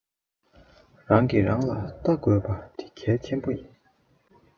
རང གི རང ལ ལྟ དགོས པ འདི གལ ཆེ པོ ཡིན